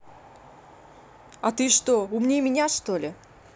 а ты что умнее меня что ли